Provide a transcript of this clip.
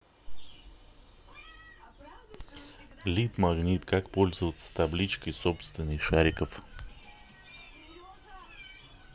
лид магнит как пользоваться табличкой собственный шариков